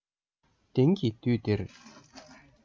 དེང གི དུས འདིར